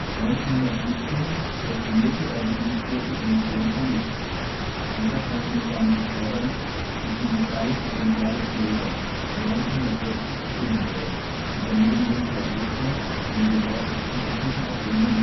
1917 postulierte er die induzierte Emission von Licht. Dieser quantenmechanische Vorgang ist die physikalische Grundlage des Lasers, der 1960 erfunden wurde, und der neben dem Transistor zu den bedeutendsten technischen Erfindungen